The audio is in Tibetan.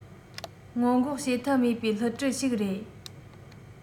སྔོན འགོག བྱེད ཐབས མེད པའི བསླུ བྲིད ཞིག རེད